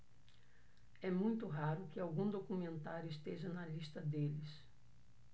é muito raro que algum documentário esteja na lista deles